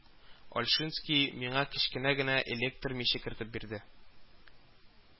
Ольшинский миңа кечкенә генә электр миче кертеп бирде